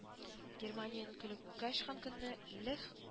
- германиянең көле күккә очкан көнне лех